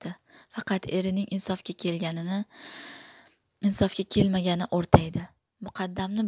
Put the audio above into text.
faqat erining insofga kelmagani o'rtaydi muqaddamni